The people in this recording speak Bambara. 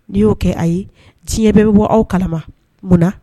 N'i y'o kɛ a ye tiɲɛ bɛ bɛ bɔ aw kala munna